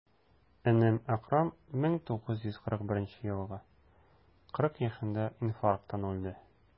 Энем Әкрам, 1941 елгы, 40 яшендә инфаркттан үлде.